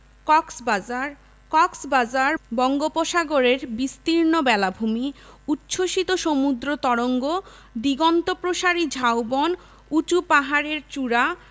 কক্সবাজার কক্সবাজার বঙ্গোপসাগরের বিস্তীর্ণ বেলাভূমি উচ্ছ্বসিত সমুদ্রতরঙ্গ দিগন্তপ্রসারী ঝাউবন উচু পাহাড়ের চূড়া